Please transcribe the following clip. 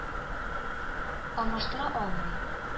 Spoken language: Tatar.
Алмаштыра алмый.